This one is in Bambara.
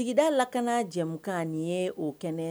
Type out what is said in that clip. Sigida lak jɛmu ye o kɛnɛ